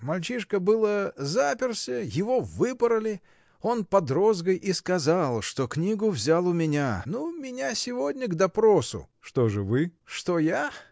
Мальчишка было заперся, его выпороли: он под розгой и сказал, что книгу взял у меня. Ну, меня сегодня к допросу. — Что же вы? — Что я?